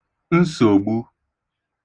nsògbu